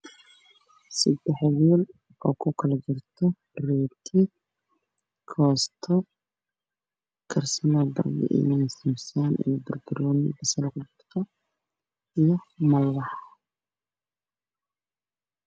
Sedex weel oo ku kala jirto rooti iyo malawax iyo kaarooto